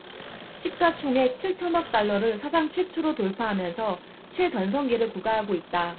시가 총액 칠 천억 달러를 사상 최초로 돌파하면서 최전성기를 구가하고 있다